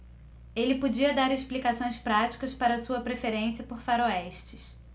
ele podia dar explicações práticas para sua preferência por faroestes